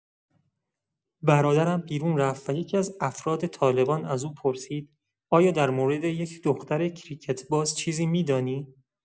برادرم بیرون رفت و یکی‌از افراد طالبان از او پرسید آیا در مورد یک دختر کریکت‌باز چیزی می‌دانی؟